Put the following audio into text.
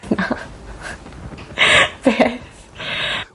Na beth>